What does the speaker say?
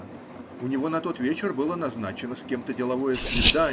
У него на тот вечер было назначено с кем-то деловое свидание.